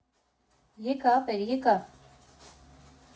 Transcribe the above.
֊ Եկա, ապեր, եկա…